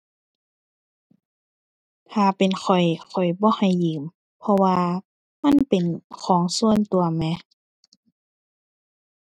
ถ้าเป็นข้อย ข้อยบ่ให้ยืม เพราะว่ามันเป็นของส่วนตัวแหม